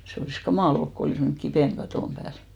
se olisi kamala ollut kun olisi mennyt kipinä katon päälle